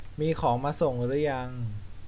มีของมาส่งรึยัง